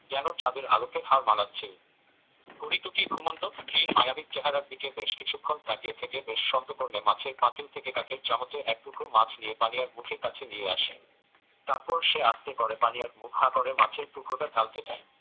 যেন চাঁদের আলোকে হার মানাচ্ছিল করিটুকি ঘুমন্ত স্ত্রীর মায়াবী চেহারার দিকে বেশ কিছুক্ষণ তাকিয়ে থেকে বেশ সন্তর্পণে মাছের পাতিল থেকে কাঠের চামচে একটুকরো মাছ নিয়ে পানিয়ার মুখের কাছে নিয়ে আসে তারপর সে আস্তে করে পানিয়ার মুখ হা করে মাছের টুকরোটা ঢালতে যায়